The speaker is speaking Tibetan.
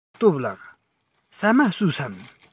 སྟོབས ལགས ཟ མ ཟོས སམ